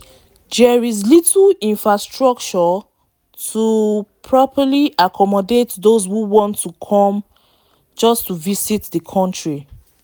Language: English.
There is little infrastructure to properly accommodate those who want to come just to visit the country.